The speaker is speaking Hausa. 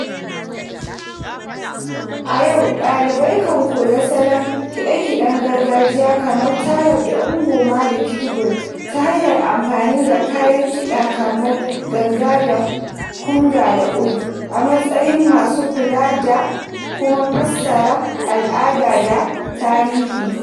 A yau, ɗalibai kan koyi salon kaɗe-kaɗen gargajiya kamar taarab da ngoma da kidumbak, ta hanyar amfani da kayan kiɗa kamar ganga da ƙanun da 'oud' a matsayin masu kula - da kuma fassara - al'ada da tarihi.